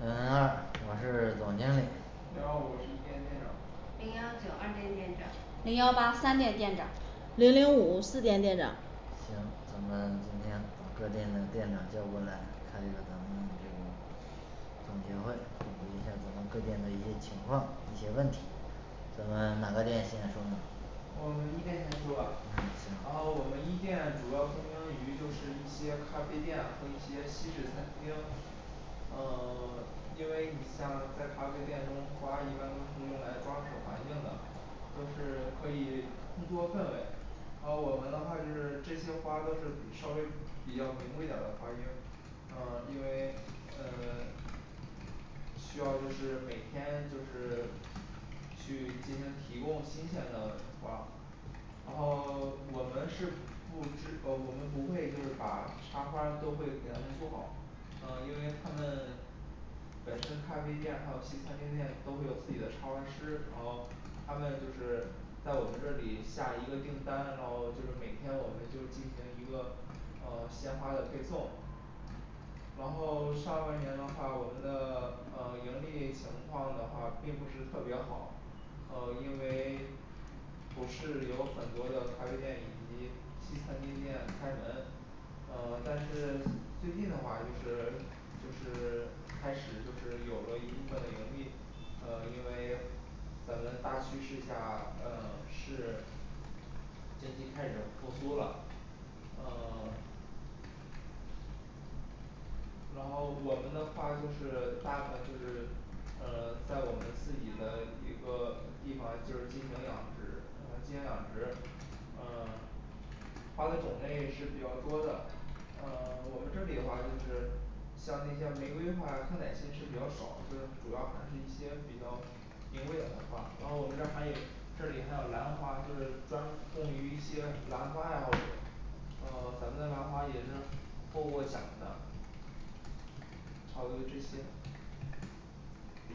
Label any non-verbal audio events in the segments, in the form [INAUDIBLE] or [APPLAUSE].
零零二我是总经理零幺五我是一店店长零幺九二店店长零幺八三店店长零零五四店店长行咱们今天把各店的店长叫过来开一个咱们这个总结会总结一下咱们各店的一些情况一些问题咱们哪个店先说呢我们一店先说吧然后我们嗯行一店主要供应于就是一些咖啡店和一些西式餐厅呃 [SILENCE] 因为你像在咖啡店中花儿一般都是用来装饰环境的都是可以供托氛围啊我们的话是这些花儿都是稍微比较名贵点儿的花儿进行嗯因为呃 [SILENCE] 需要就是每天就是去进行提供新鲜的花儿然后 [SILENCE] 我们是不知哦我们不会就是把插花儿都会给他们做好呃因为他们本身咖啡店还有西餐厅店都会有自己的插花儿师然后他们就是在我们这里下一个订单然后就是每天我们就进行一个呃鲜花儿的配送然后上半年的话我们的呃盈利情况的话并不是特别好呃因为不是有很多的咖啡店以及西餐厅店开门呃但是最近的话就是就是开始就是有了一部分盈利呃因为咱们大趋势下呃是经济开始复苏了呃 [SILENCE] 然后我们的花儿就是大部分就是呃在我们自己的一个地方就是进行养殖呃进行养殖呃 [SILENCE] 花的种类是比较多的嗯 [SILENCE] 我们这里的话就是像那些玫瑰花儿康乃馨是比较少所以主要还是一些比较名贵的花儿然后我们这儿还这里还有兰花儿就是专供于一些兰花爱好者呃咱们的兰花儿也是获过奖的差不多就这些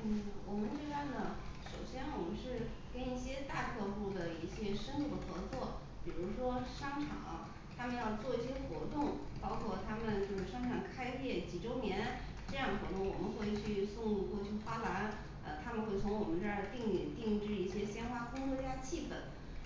嗯我们这边儿呢首先我们是跟一些大客户的一些深度的合作比如说商场他们要做一些活动包括他们就是商场开业几周年这样的活动我们会去送过去花篮儿呃他们会从我们这儿定定制一些鲜花供托一下气氛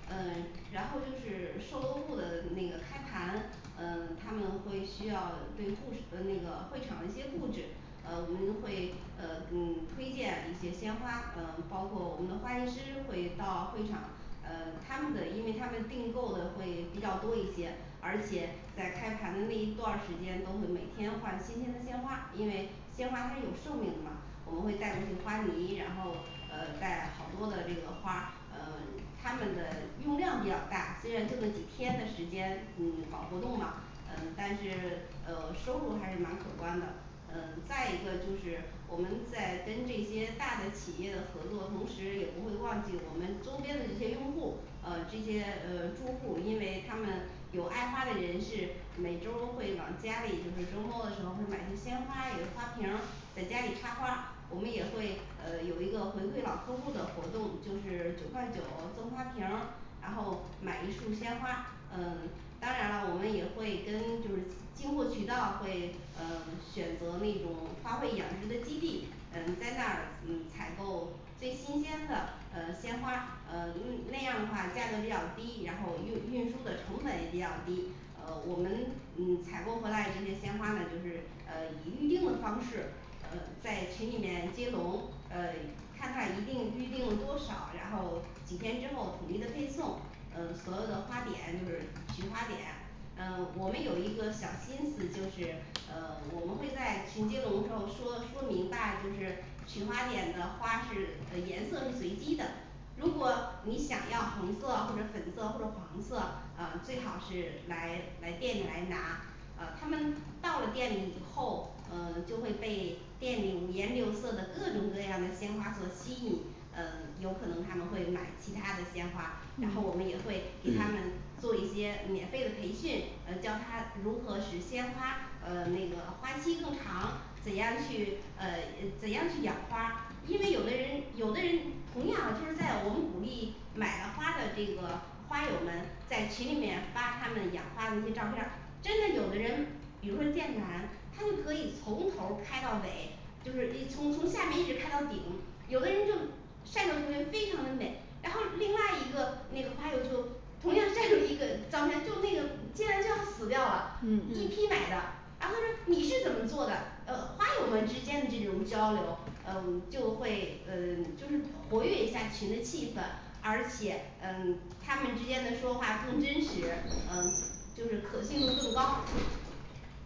嗯然后就是售楼部的那个开盘嗯他们会需要对布置呃那个会场的一些布置呃我们会呃嗯推荐一些鲜花嗯包括我们的花艺师会到会场嗯 [SILENCE] 他们的因为他们订购的会比较多一些而且在开盘的那一段儿时间都会每天换新鲜的鲜花儿因为鲜花儿它有寿命的嘛我们会带过去花泥然后呃带好多的这个花儿嗯他们的用量比较大虽然就这几天的时间嗯搞活动嘛嗯但是呃收入还是蛮可观的嗯再一个就是我们在跟这些大的企业的合作同时也不会忘记我们周边的这些用户呃这些呃住户因为他们有爱花的人士每周会往家里就是周末的时候会买束鲜花有花瓶儿在家里插花我们也会呃有一个回馈老客户的活动就是九块九赠花瓶儿然后买一束鲜花嗯当然了我们也会跟就是进货渠道会嗯选择那种花卉养殖的基地嗯在那儿嗯采购最新鲜的嗯鲜花儿呃嗯那样的话价格比较低然后运运输的成本也比较低呃我们嗯采购回来这些鲜花儿呢就是呃以预定的方式呃在群里面接龙呃看看一定预定的多少然后几天之后统一的配送嗯所有的花点就是取花点嗯我们有一个小心思就是嗯 [SILENCE] 我们会在群接龙时候说说明白就是取花点的花儿是呃颜色是随机的如果你想要红色或者粉色或者黄色呃最好是来来店里来拿啊他们到了店里以后嗯就会被店里五颜六色的各种各样的鲜花所吸引呃有可能他们会买其他的鲜花然后我们也会给他们做一些免费的培训呃教她如何使鲜花呃那个花期更长怎样去呃呃怎样去养花因为有的人有的人就同样就是在我们鼓励买了花的这个花友们在群里面发他们养花的一些照片儿真的有的人比如说剑兰它就可以从头儿开到尾就是一从从下面一直开到顶有的人就晒的图呢非常的美然后另外一个那个花友就同样晒了一个照片就那个竟然这样死掉了&嗯嗯&一批买的啊他说你是怎么做的呃花友们之间的这种交流呃就会呃就是活跃一下群的气氛而且嗯他们之间的说话更真实嗯就是可信度更高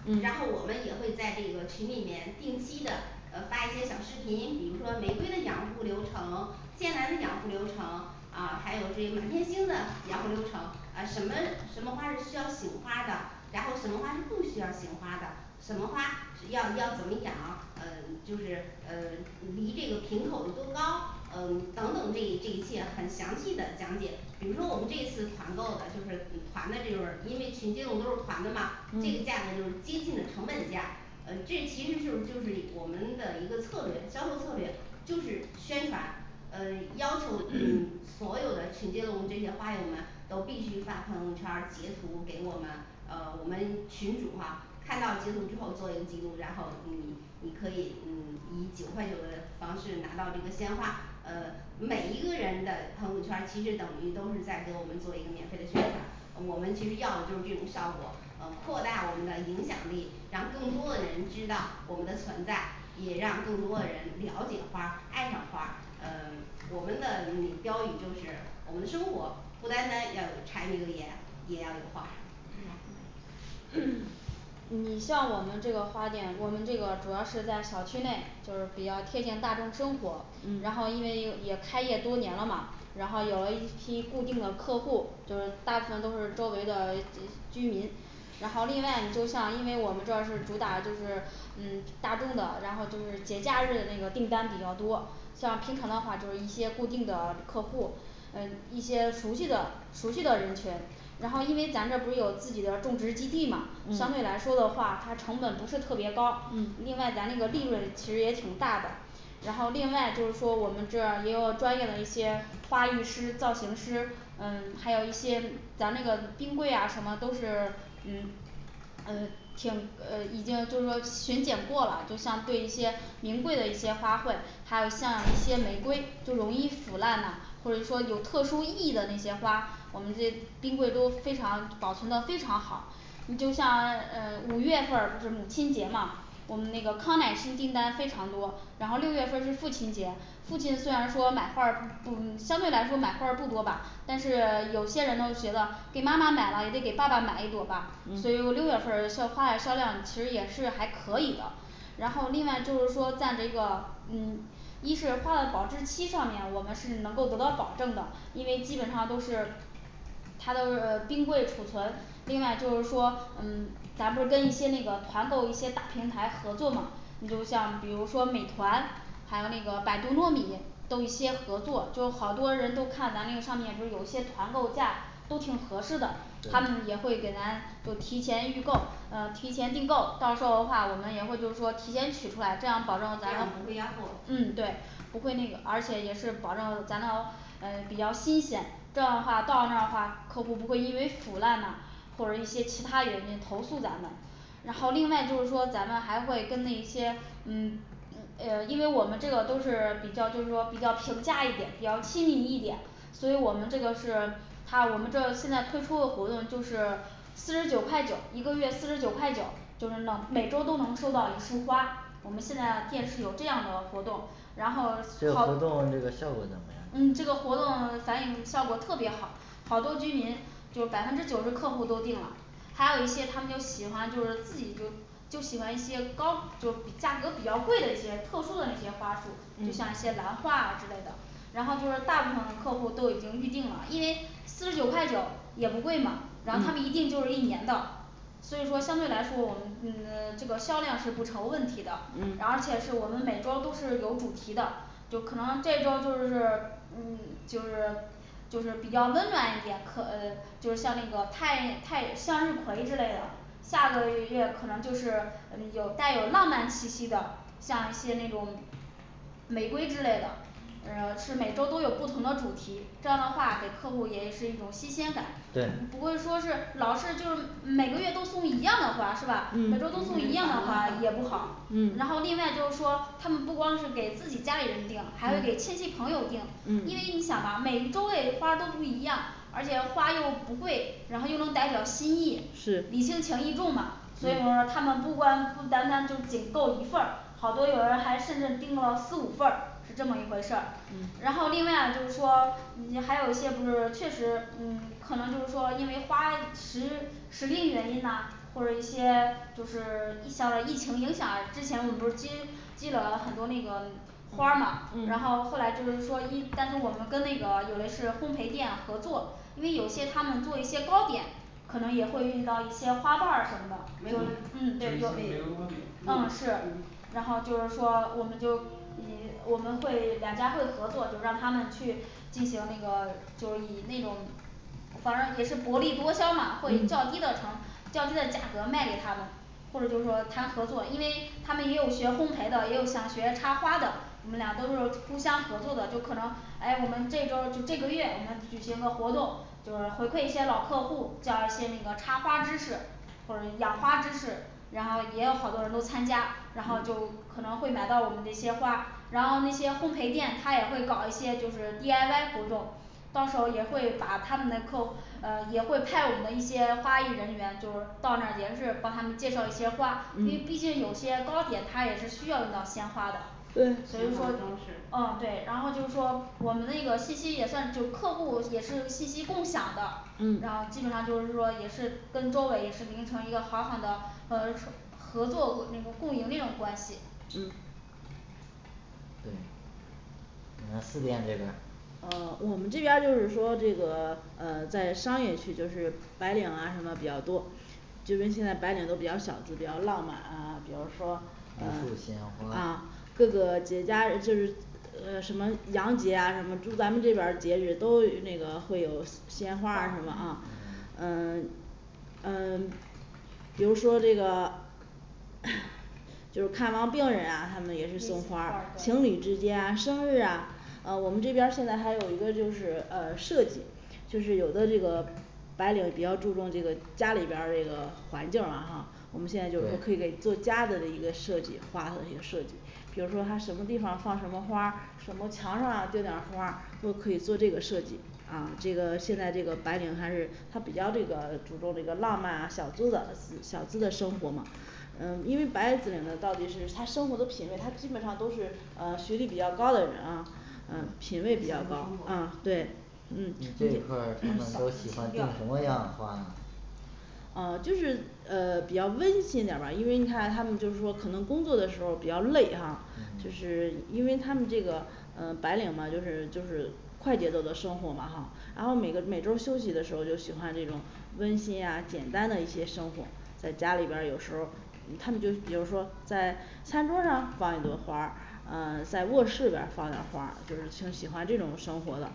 嗯然后我们也会在这个群里面定期的呃发一些小视频比如说玫瑰的养护流程剑兰的养护流程啊还有这满天星的养护流程啊什么什么花是需要醒花的然后什么花是不需要醒花的什么花要要怎么养呃就是呃离这个瓶口有多高呃等等这一这一切很详细的讲解比如说我们这一次团购的就是嗯团的这种因为群进入都是团的嘛&嗯&这个价格就是接近的成本价呃这其实就是就是我们的一个策略销售策略就是宣传嗯要求嗯所有的群接龙这些花友们都必须发朋友圈儿截图给我们呃我们群主的话看到截图之后做一个记录然后你你可以嗯以九块九的方式拿到这个鲜花呃每一个人的朋友圈儿其实等于都是在给我们做一个免费的宣传我们其实要的就是这种效果嗯扩大我们的影响力让更多人知道我们的存在也让更多的人了解花儿爱上花儿呃我们的标语就是我们的生活不单单要有柴米油盐也要有花儿 [HESITATION] 嗯你像我们这个花店我们这个主要是在小区内就是比较贴近大众生活&嗯&然后因为也开业多年了嘛然后有了一批固定的客户就是大部分都是周围的诶居民然后另外你就是像因为我们这是主打就是嗯大众的然后就是节假日那个订单比较多像平常的话就是一些固定的客户嗯一些熟悉的熟悉的人群然后因为咱这儿不是有自己的种植基地嘛&嗯&相对来说的话它成本不是特别高&嗯&另外咱那个利润其实也挺大的然后另外就是说我们这儿也有专业的一些花艺师造型师嗯还有一些咱那个冰柜呀什么都是嗯嗯挺呃已经就是说巡检过了就像对一些名贵的一些花卉还有像一些玫瑰就容易腐烂了或者说有特殊意义的那些花儿我们在冰柜都非常保存的非常好你就像呃五月份儿不是母亲节嘛我们那个康乃馨订单非常多然后六月份儿是父亲节父亲虽然说买花儿不相对来说买花儿不多吧但是有些人都觉得给妈妈买了也得给爸爸买一朵吧&嗯&所以六月份儿销花儿的销量其实也是还可以的然后另外就是说咱这个嗯一是花的保质期上面我们是能够得到保证的因为基本上都是它都是冰柜储存另外就是说嗯咱不是跟一些那个团购一些大平台合作嘛你就像比如说美团还有那个百度糯米都一些合作就是好多人都看咱那个上面不是有一些团购价都挺合适的他们也对会给咱就是提前预购呃提前订购到时候的话我们也会就是说提前取出来这样保证这咱样不会压货嗯对不会那个而且也是保证咱的嗯比较新鲜这样的话到那儿的话客户不会因为腐烂呐或者一些其他原因投诉咱们然后另外就是说咱们还会跟那一些嗯嗯呃因为我们这个都是比较就是说比较平价一点比较亲民一点所以我们这个是它我们这个现在推出的活动就是四十九块九一个月四十九块九就是能每周都能收到一束花儿我们现在店是有这样的活动然后这个靠活动这个效果怎么样嗯这个活动反应效果特别好好多居民就百分之九十客户都订了还有一些他们就喜欢就是自己就就喜欢一些高就是比价格比较贵的一些特殊的那些花束&嗯&你就像一些兰花啊之类的然后就是大部分客户都已经预定了因为四十九块九也不贵嘛然后他们就是一订就是一年的所以说相对来说我们嗯 [SILENCE] 这个销量是不成问题的而嗯且是我们每周都是有主题的就是可能这周就是嗯就是就是比较温暖一点可呃就是像那个太太向日葵之类的下个月可能就是嗯有带有浪漫气息的像一些那种玫瑰之类的嗯嗯是每周都有不同的主题这样的话给客户也是一种新鲜感不会对说是老是就是每个月都送一样的花儿是吧每周都嗯送一样的花儿也不好嗯然后另外就是说他们不光是给自己家里人订还会给亲嗯戚朋友订因为你想嗯啊每周的花儿都不一样而且花又不贵然后又能代表心意礼轻是情意重嘛所以说嗯他们不光不单单就仅够一份儿好多有人还甚至定了四五份儿是这么一回事儿嗯然后另外就是说也还有一些不是确实嗯 [SILENCE] 可能就是说因为花实实力原因呐或者一些就是 [SILENCE] 疫响疫情影响之前我们不是积积了很多那个花儿嘛然后后嗯来就是说一但是我们跟那个有的是烘焙店合作因为有一些他们做一些糕点可能也会遇到一些花瓣儿什么的&嗯就对是像玫瑰花儿饼嗯&嗯是嗯然后就是说我们就以我们会两家会合作就让他们去进行那个就是以那种反而也是薄利多销嘛会以较嗯低的成较低的价格卖给他们或者就是说谈合作因为他们也有学烘焙的也有想学插花的我们俩都是互相合作的就可能哎我们这周就这个月我们举行个活动就说回馈一些老客户教一些那个插花知识或者养花知识然后也有好多人都参加然后都嗯可能会买到我们这些花然后那些烘焙店他也会搞一些就是D I Y活动到时候也会把他们的客呃也会派我们的一些花艺人员就是到那儿也是帮他们介绍一些花因为毕嗯竟有些糕点它也是需要用到鲜花的所以对说装饰嗯对然后就是说我们那个信息也算就是客户也是信息共享的然后基嗯本上说也是跟周围也是形成一个好好的嗯合作那个共赢一个关系嗯对那四店这边儿嗯我们这边儿就是说这个嗯在商业区就是白领儿啊什么比较多就跟现在白领都比较小都比较浪漫啊比如说无数鲜嗯花啊各个节假日就是呃什么洋节啊什么就咱们这边儿节日都那个会有鲜花儿啊什么嗯啊嗯嗯嗯 [SILENCE] 比如说这个 [CROSSTALK] 就是看望病人啊他们也是送花花儿儿情对侣之间啊生日啊呃我们这边儿现在还有一个就是呃设计就是有的这个白领比较注重这个家里边儿这个环境了哈我们现在就是可以给对做家的一个设计花儿的一个设计比如说她什么地方放什么花儿什么墙上啊钉俩花儿都可以做这个设计啊这个现在这个白领还是她比较这个注重这个浪漫啊小资的小资的生活嘛嗯因为白领呢到底是她生活的品位她基本上都是呃学历比较高的人啊嗯品味比较嗯对你这嗯一块儿你们都喜欢订什么样的花儿呢嗯就是呃比较温馨点儿吧因为你看她们就是说可能工作的时候儿比较累啊就嗯是因为她们这个呃白领嘛就是就是快节奏的生活嘛哈然后每个每周儿休息的时候就喜欢这种温馨呀简单的一些生活在家里边儿有时候儿嗯她们就比如说在餐桌儿上放一朵花儿呃在卧室呢放一朵花儿就是挺喜欢这种生活的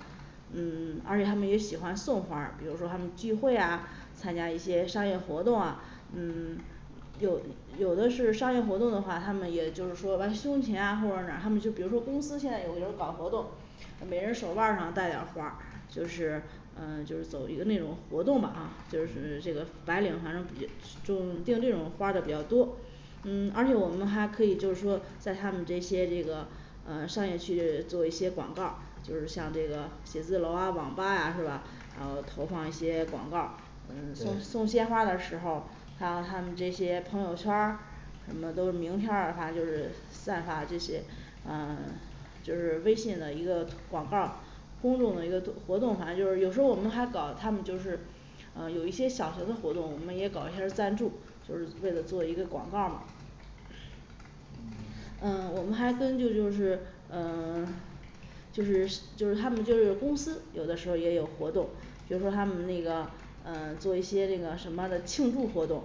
嗯 [SILENCE] 而且他们也喜欢送花儿比如说他们聚会啊参加一些商业活动啊嗯 [SILENCE] 有有的是商业活动的话他们也就是说把胸前啊或者哪儿他们就比如说公司现在有没有搞活动呃每个人手腕儿上带点儿花儿就是嗯就是走一个那种活动嘛啊就是这个白领反正就定这种花儿的比较多嗯而且我们还可以就是说在他们这些这个啊商业区做一些广告儿就是像这个写字楼啊网吧啊是吧呃投放一些广告儿嗯送对送鲜花儿的时候儿然后他们这些朋友圈儿我们都有明片儿的话就是散发这些呃就是微信的一个广告儿公众的一个就活动反正就是有时候我们还搞他们就是呃有一些小型的活动我们也搞一下儿赞助就是为了做一个广告儿嘛嗯嗯我们还根据就是嗯 [SILENCE] 就是就是他们就是公司有的时候也有活动比如说他们那个嗯 [SILENCE] 做一些这个什么的庆祝活动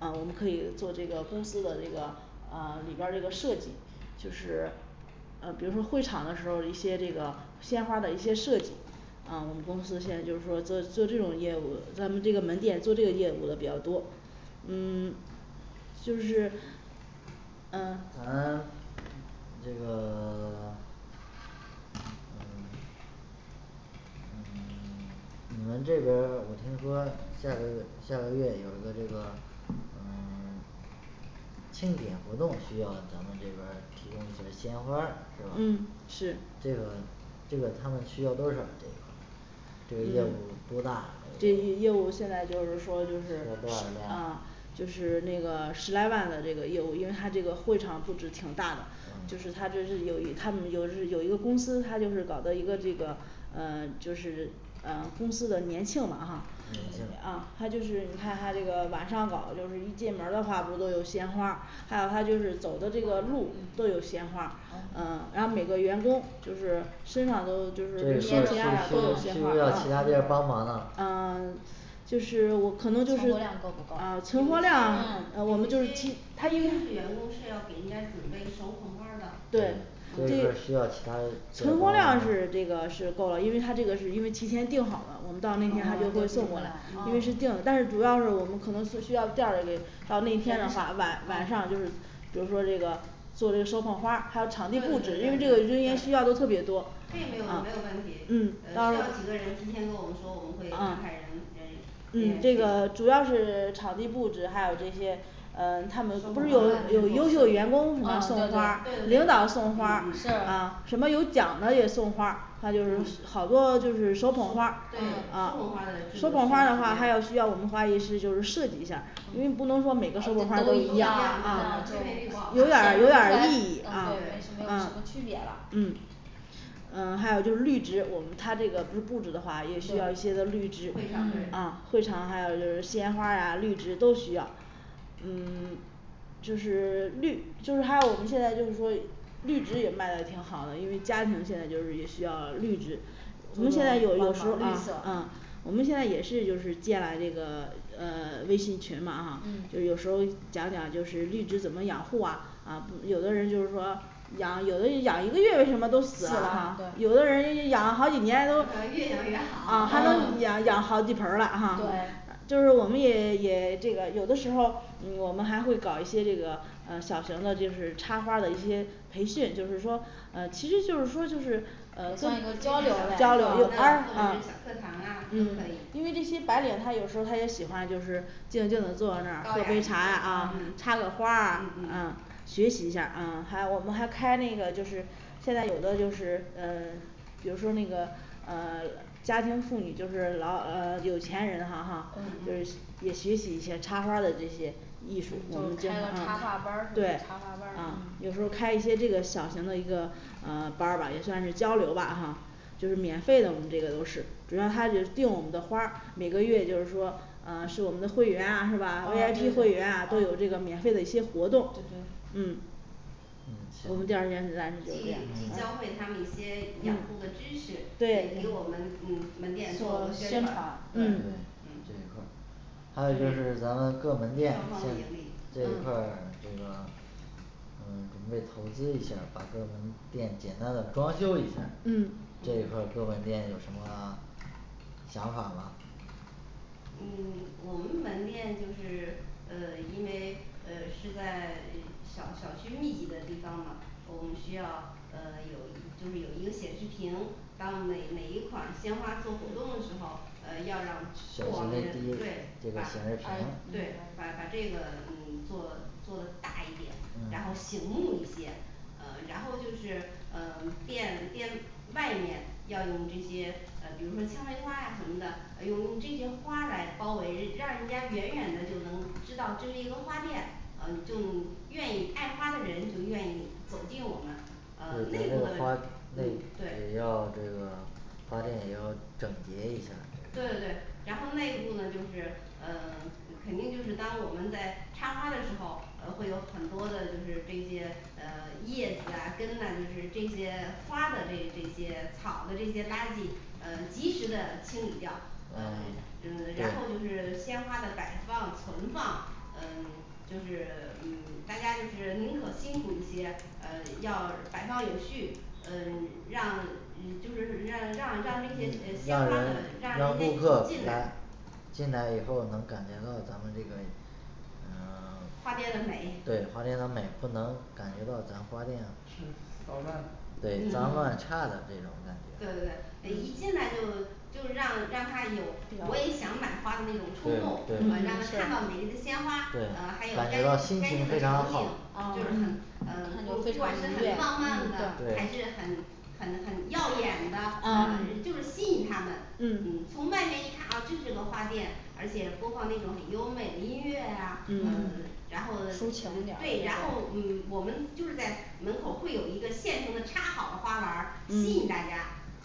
嗯我们可以做这个公司的这个呃里边儿这个设计就是呃比如说会场的时候儿一些这个鲜花儿的一些设计呃我们公司现在就说做做这种业务那这个门店做这个业务的比较多嗯 [SILENCE] 就是嗯咱这个 [SILENCE] 嗯 [SILENCE] 嗯 [SILENCE] 你们这边儿我听说下个月下个月有一个这个嗯 [SILENCE] 庆祝活动需要咱们这边儿提供这个鲜花儿是嗯是吧这个这个他们需要多少这个这个业务多大这这个个业业务务需现要在就是说就是多少量啊就是那个十来万的这个业务因为他这个会场布置挺大的就是他嗯就是有有他们有就是有一个公司他就是搞的一个这个嗯就是嗯公司的年庆吧哈年啊庆再就是你看他这个晚上搞就是一进门儿的话不都有鲜花儿还有他就是走的这个路都有鲜花儿&嗯&嗯然后每个员工就是身上都就是呃这需要 [SILENCE] 需需不需要其它人员帮忙啊就是可我们两个不够有一些优优秀员工能就是呃是要给人家准备手捧花儿的对所以这儿需要其他人承包帮量忙是这个是够了因为他这个是因为提前订好了我们到嗯时候他嗯就会送嗯过来嗯因为嗯是订啊嗯但是主要是我们可能是需要调人到那天的话晚晚上就是比如说这个做这个手捧花儿还有场对对对对对这没有地布置因为这个因为需要的特别多没有问题嗯呃啊需要几个人提前跟我们说我们会安排人啊人嗯人这个员去主要是场地布置还有这些呃他们不是有有优秀员嗯对对对工送花儿领导送花儿嗯嗯啊什么有奖的也送花儿他就是嗯好多就是手捧花儿对手啊捧花儿的制手捧花儿的话还作有需需要要我时们间花艺师就是设计一下儿，因为不能说每对对个对手捧对花是都都都一一一样样样对确实有有点点儿儿不有好点看了儿意义啊区别啦嗯嗯还有就是绿植我们他这个布布置的话也需要一些个绿植&会场嗯&啊对会场还有这个鲜花儿呀绿植都需要嗯 [SILENCE] 就是 [SILENCE] 绿就是还有我们现在就是说绿植也卖得挺好的因为家庭现在就是也需要绿植我们现在有有绿啊色啊我们现在也是就是建了那个呃微信群嘛哈有有嗯时候儿讲讲就是绿植怎么养护啊啊有的人就是说养有的人养一个月为什么都死死了了对有的人养了好几年都可能越养越好 [NOISE] 有养好几盆儿了哈对嗯就是我们也也这个有的时候嗯我们还会搞一些这个嗯小型的就是插花儿的一些培训就是说嗯其实就是说就是课堂啊都嗯可因为以这些白领她有时候她也喜欢就是静静的坐在那儿高喝雅一杯些茶呀嗯啊插个花儿啊嗯嗯啊学习一下儿啊还有我们还开了那个就是现在有的就是嗯比如说那个呃家庭妇女就是老呃有钱人哈嗯哈嗯呃也学习一些插花儿的这些嗯艺术就是开个插花嗯班儿是对吧插花班儿啊有时候开一些这个小型的一个呃班儿吧也算是交流吧哈就是免费的我们这个都是比方她这个定我们的花儿每个月就是说啊是我们的会员啊啊对啊对对啊是吧V I P会员啊都有这个免费的一些活动嗯嗯我行们对店儿这一里块人来既儿既教会他们一些养护的知识也对给我们嗯门店做做宣宣传传对嗯嗯对还这有就是是咱们各双门方的盈店现利这一块儿这个嗯准备投资一下儿把各门店简单的装修一下儿嗯这一块儿各门店有什么想法吗嗯我们门店就是呃因为呃是在诶小小区密集的地方嘛我们需要呃有就是有一个显示屏当每每一款鲜花做活动的时候呃要让做过往的人对个把显示屏对把把把这个嗯做做大一点然后嗯醒目一些呃然后就是嗯店店外面要用这些呃比如说蔷薇花呀什么的嗯用用这些花来包围让人家远远的就能知道这是一个花店呃你就愿意爱花的人就愿意走进我们对咱呃内这部个花的嗯对对对内也要这个花店也要整洁一下这一块对儿然后内部呢就是呃 [SILENCE] 肯定就是当我们在插花的时候呃会有很多的就是这些呃叶子啊根呐就是这些花的这这些草的这些垃圾呃及时的清理掉嗯嗯嗯然后对就是鲜花的摆放存放嗯 [SILENCE] 就是嗯大家就是宁可辛苦一些呃要摆放有序嗯让嗯就是让让让这些呃鲜花让人呢让让人家顾一客进来来进来以后能感觉到咱们这个呃 [SILENCE] 花店的美对花店的美不能感觉到咱花店是脏乱的对脏嗯乱差的嗯这种感对对觉对诶一进来就就让让她有我也想买花的那对种冲动对让嗯她看到对美丽的鲜花呃还对有感干觉到干净心情非的常场景好就是很哦嗯不管是很浪漫的还是很很很耀眼的啊啊就是嗯吸引她们嗯从嗯外面一看啊这是个花店而且播放那种很优美的音乐呀嗯嗯嗯然后抒情嗯点儿感对然后嗯觉我们就是在门口会有一个现成的插好的花篮儿吸引大家